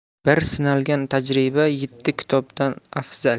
bir sinalgan tajriba yetti kitobdan afzal